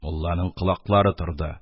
Мулланың колаклары торды: